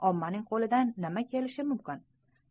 ommaning qo'lidan nima kelishi mumkin